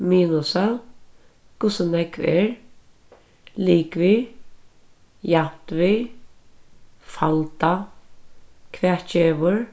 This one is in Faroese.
minusa hvussu nógv er ligvið javnt við falda hvat gevur